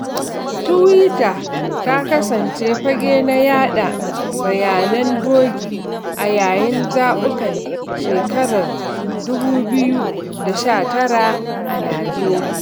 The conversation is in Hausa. Tuwita ta kasance fage na yaɗa bayanan bogi a yayin zaɓukan shekarar 2019 a Nijeriya.